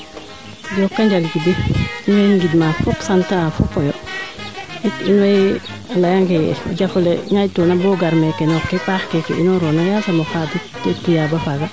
jokjo njal Djiby in way ngid maa fop sant a fop oyo in way leyange o jafo le ñaaj toona bo gar meeke no ke paax keeke inoroona yasam o xaadit tiyaaba faaga